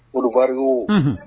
Kubaliy